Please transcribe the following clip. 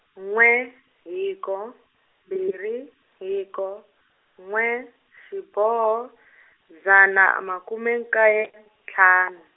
n'we hiko, mbirhi hiko, n'we xiboho , dzana makume nkaye , ntlhanu.